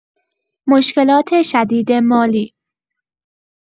مشکلات شدید مالی